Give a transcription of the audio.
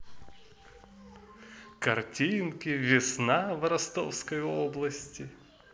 картинки весна в ростовской области